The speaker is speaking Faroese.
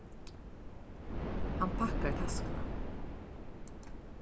hann pakkar taskuna